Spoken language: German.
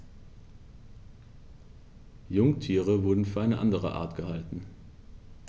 Jungtiere wurden für eine andere Art gehalten.